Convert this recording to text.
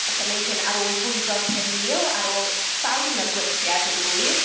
Wnaeth e wneud hyn ar ôl bwydo'r pum mil, ar ôl sawl un o'r gwyrthiau, dweud y gwir.